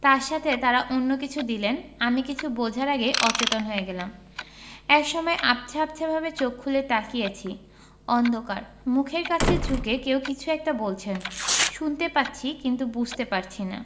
তার সাথে তারা অন্য কিছু দিলেন আমি কিছু বোঝার আগে অচেতন হয়ে গেলাম একসময় আবছা আবছাভাবে চোখ খুলে তাকিয়েছি অন্ধকার মুখের কাছে ঝুঁকে কেউ কিছু একটা বলছেন শুনতে পাচ্ছি কিন্তু বুঝতে পারছি না